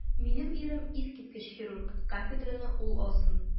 Минем ирем - искиткеч хирург, кафедраны ул алсын.